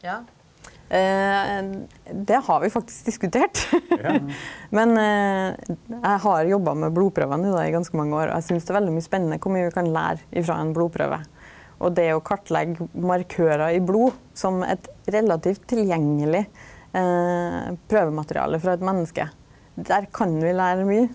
ja det har vi faktisk diskutert , men eg har jobba med blodprøvene i då i ganske mange år og eg synest det er veldig mykje spennande kor mykje vi kan læra ifrå ein blodprøve, og det å kartlegga markørar i blod som eit relativt tilgjengeleg prøvemateriale frå eit menneske, der kan vi læra mykje.